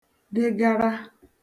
degara